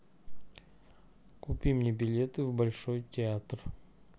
купи мне билеты в большой театр